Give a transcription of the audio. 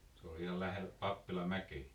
se oli ihan lähellä Pappilanmäkeä